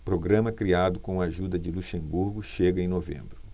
programa criado com a ajuda de luxemburgo chega em novembro